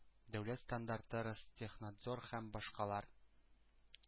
Дәүләт стандарты, Ростехнадзор һәм башкалар